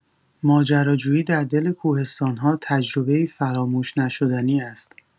ماجراجویی در دل کوهستان‌ها تجربه‌ای فراموش‌نشدنی است.